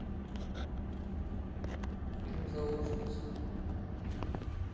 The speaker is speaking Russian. фильм заложница